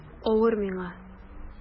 Авыр миңа...